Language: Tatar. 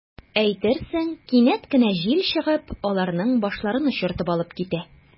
Әйтерсең, кинәт кенә җил чыгып, аларның “башларын” очыртып алып китә.